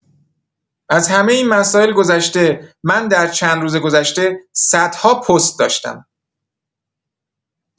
از همه این مسائل گذشته من در چند روز گذشته صدها پست داشتم.